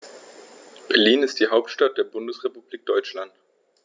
Berlin ist die Hauptstadt der Bundesrepublik Deutschland.